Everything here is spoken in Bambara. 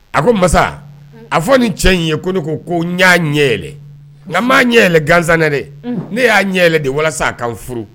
A ko masa a fɔ ni cɛ in ye ko ne ko koa ɲɛ yɛlɛ nka m' ɲɛ yɛlɛ gansanɛ dɛ ne y'a ɲɛ yɛlɛ de walasa a kan furu